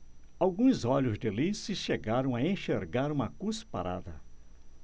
alguns olhos de lince chegaram a enxergar uma cusparada